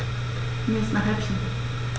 Mir ist nach Häppchen.